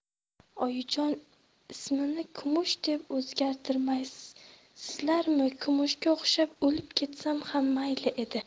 oyijon ismimni kumush deb o'zgartirmaysizlarmi kumushga o'xshab o'lib ketsam ham mayli edi